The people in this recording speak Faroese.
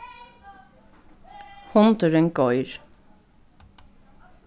hundurin goyr